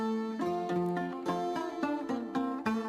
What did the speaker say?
San